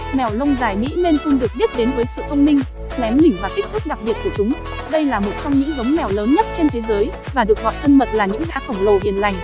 mèo lông dài mỹ maine coon được biết đến với sự thông minh lém lỉnh và kích thước đặc biệt của chúng đây là một trong những giống mèo lớn nhất trên thế giới và được gọi thân mật là những gã khổng lồ hiền lành